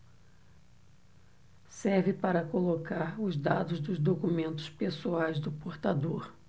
serve para colocar os dados dos documentos pessoais do portador